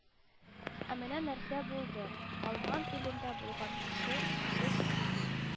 - ә менә нәрсә булды: алман илендә булган кеше сез түгел